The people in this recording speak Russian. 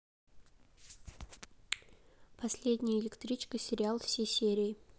последняя электричка сериал все серии